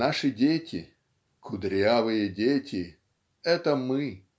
Наши дети, "кудрявые дети", - это мы.